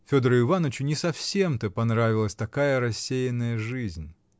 Федору Иванычу не совсем-то нравилась такая рассеянная жизнь.